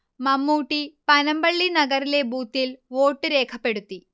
മമ്മൂട്ടി പനമ്പള്ളി നഗറിലെ ബൂത്തിൽ വോട്ട് രേഖപ്പെടുത്തി